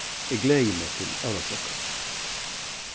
eg gleði meg til ólavsøku